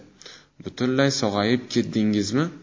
butunlay sog'ayib ketdingizmi